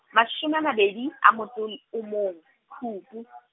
mashome a mabedi a motso li-, o mong Phupu.